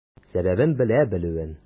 Сәбәбен белә белүен.